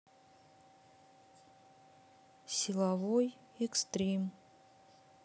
силовой экстрим